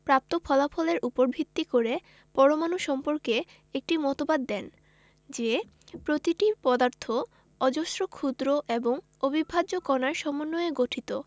প্রাপ্ত ফলাফলের উপর ভিত্তি করে পরমাণু সম্পর্কে একটি মতবাদ দেন যে প্রতিটি পদার্থ অজস্র ক্ষুদ্র এবং অবিভাজ্য কণার সমন্বয়ে গঠিত